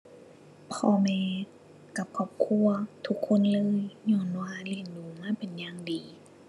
พ่อแม่กับครอบครัว ทุกคนเลย ญ้อนว่าเลี้ยงดูมาเป็นอย่างดี